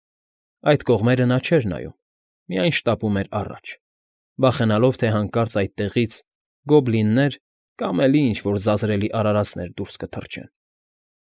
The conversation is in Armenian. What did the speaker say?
Այդ կողմերը նա չէր նայում, միայն շտապում էր առաջ, վախենալով, թե հանկարծ այդտեղից գոբլիններ կամ էլի ինչ֊որ արարածներ դուրս կթռչեն։